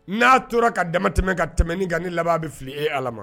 N'a tora ka dama tɛmɛn ka tɛmɛni kan ni laban bɛ fili e ala ma